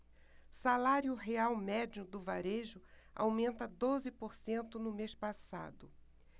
salário real médio do varejo aumenta doze por cento no mês passado